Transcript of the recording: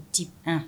Tɛ h